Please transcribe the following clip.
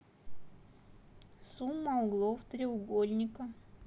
сумма углов треугольника